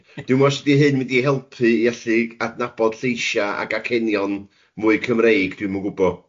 Dwi'm os 'di hyn mynd i helpu i allu adnabod lleisia ac acenion mwy Cymreig, dwi'm yn gwbod.